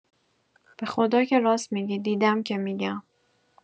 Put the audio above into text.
بخدا که راست می‌گی دیدم که می‌گم